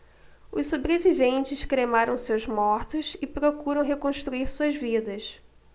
os sobreviventes cremaram seus mortos e procuram reconstruir suas vidas